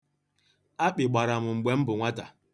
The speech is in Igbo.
Akpị gbara m mgbe m bụ nwata.